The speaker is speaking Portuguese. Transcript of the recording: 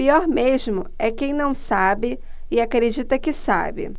pior mesmo é quem não sabe e acredita que sabe